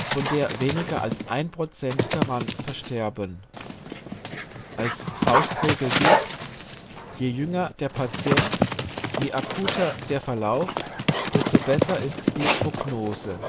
von der weniger als 1% daran versterben. Als Faustregel gilt: je jünger der Patient, je akuter der Verlauf, desto besser die Prognose